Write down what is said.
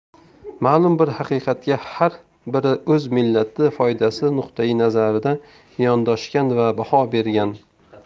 ma'lum bir haqiqatga har biri o'z millati foydasi nuqtai nazaridan yondoshgan va baho bergan